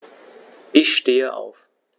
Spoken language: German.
Ich stehe auf.